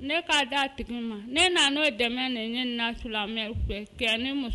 Ne k'a da tigi ma ne na n'o dɛmɛ nin ye na silamɛmɛ kɛ ni muso